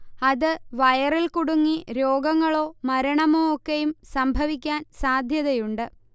അത് വയറിൽ കുടുങ്ങി രോഗങ്ങളോ മരണമോ ഒക്കെയും സംഭവിക്കാൻ സാധ്യതയുണ്ട്